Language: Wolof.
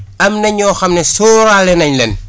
am na ñoo xam ne sóoraale nañ leen